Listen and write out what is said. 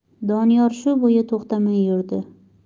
doniyor shu bo'yi to'xtamay yurdi